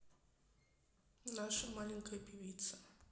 наша маленькая певица